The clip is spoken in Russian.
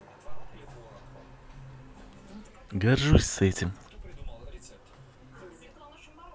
горжусь с этим